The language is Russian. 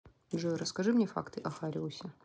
джой расскажи мне факты о хариусе